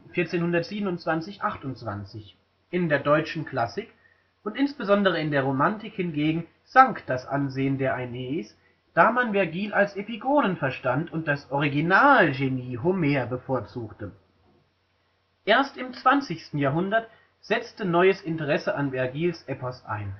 1427/28). In der deutschen Klassik und besonders in der Romantik hingegen sank das Ansehen der Aeneis, da man Vergil als Epigonen verstand und das „ Originalgenie “Homer bevorzugte. Erst im 20. Jahrhundert setzte neues Interesse an Vergils Epos ein